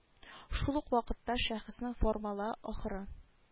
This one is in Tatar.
Шул ук вакытта шәхеснең формала ахыры